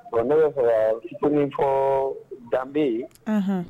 Bon ne bɛa fɛ it fɔ danbebe yen